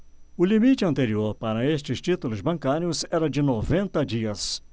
o limite anterior para estes títulos bancários era de noventa dias